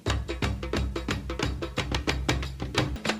INCOMPREHENSIBLES